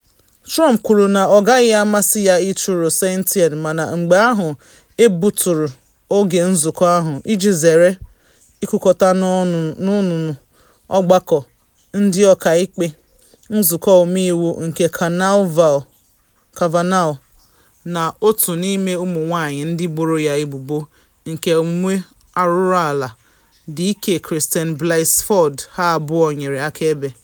Trump kwuru na “ọ gaghị amasị” ya ịchụ Rosentein mana mgbe ahụ egbuturu oge nzụkọ ahụ iji zere ịkụkọta n’ọnụnụ ọgbakọ ndị ọkaikpe Nzụkọ Ọmeiwu nke Kavanaugh na otu n’ime ụmụ nwanyị ndị boro ya ebubo nke omume arụrụ ala, Dk Christine Blasey Ford, ha abụọ nyere akaebe.